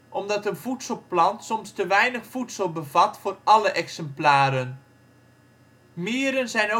omdat een voedselplant soms te weinig voedsel bevat voor alle exemplaren. Mieren zijn